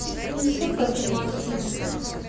не все кату масленица